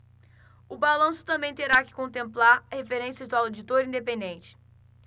o balanço também terá que contemplar referências do auditor independente